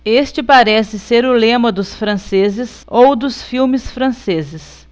este parece ser o lema dos franceses ou dos filmes franceses